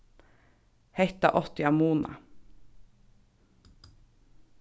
hetta átti at munað